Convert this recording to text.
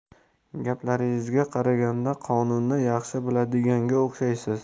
gaplaringizga qaraganda qonunni yaxshi biladiganga o'xshaysiz